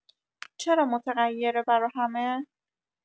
چرا متغیره برا همه؟